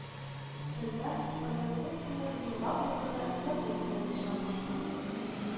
Тында озын күл сыман елга култыгы затон күренеше ачыла